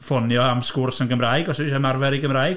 ffonio am sgwrs yn Gymraeg, os isie ymarfer ei Gymraeg...